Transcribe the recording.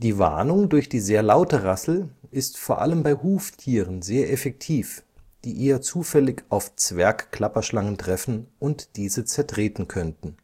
Warnung durch die sehr laute Rassel ist vor allem bei Huftieren sehr effektiv, die eher zufällig auf Zwergklapperschlangen treffen und diese zertreten könnten